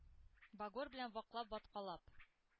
Багор белән ваклап, ваткалап,